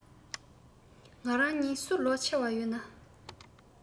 ང རང གཉིས སུ ལོ ཆེ བ ཡོད ན